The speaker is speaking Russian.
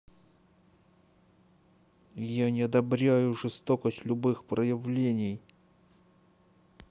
я не одобряю жестокость любых проявлений